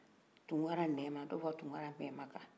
tunkara nɛma tunkara bɛɛ makan